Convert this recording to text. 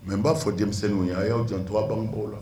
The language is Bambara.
Mɛ b'a fɔ denmisɛnninw ye a aw y'aw jan tubabu bange b'o la